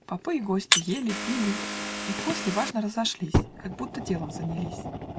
Попы и гости ели, пили И после важно разошлись, Как будто делом занялись.